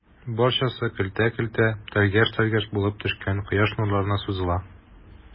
Барчасы көлтә-көлтә, тәлгәш-тәлгәш булып төшкән кояш нурларына сузыла.